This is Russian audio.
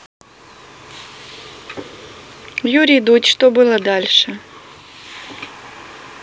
юрий дудь что было дальше